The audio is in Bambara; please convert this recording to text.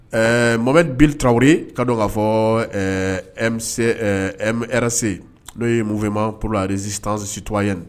Ɛɛ mɔmɛ bi taraweleri ka don k'a fɔ se n'o ye munma pre sisantansituma ye